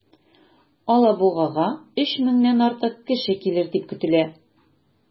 Алабугага 3 меңнән артык кеше килер дип көтелә.